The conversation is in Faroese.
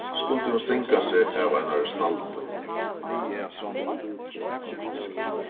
skuldi hon stinga seg av einari snældu